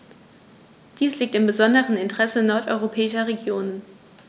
Dies liegt im besonderen Interesse nordeuropäischer Regionen.